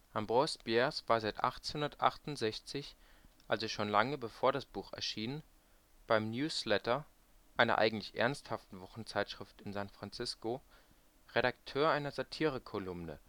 Ambrose Bierce war seit 1868 (also schon lange bevor das Buch erschien) beim News Letter, einer eigentlich ernsthaften Wochenzeitschrift in San Francisco, Redakteur einer Satirekolumne